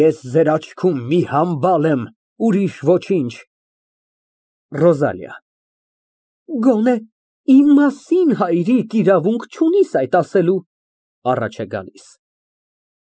Ես ձեր աչքում մի համբալ եմ, ուրիշ ոչինչ… ՌՈԶԱԼԻԱ ֊ Գոնե իմ մասին, հայրիկ, իրավունք չունիս այդ ասելու։ (Առաջ է գալիս)։